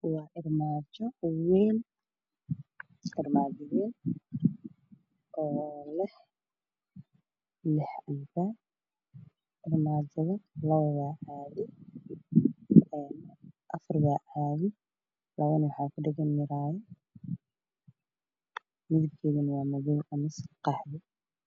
Waa armaajo wayn oo leh lix albaab, Armaajada afar waa caadi labana waa kuyaalo muraayad midabkeedu waa madow ama qaxwi.